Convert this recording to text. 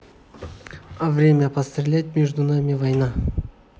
а время пострелять между нами война